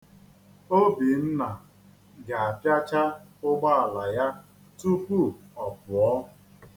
Obinna ga-apịacha ụgbọala ya tupu ọ pụọ.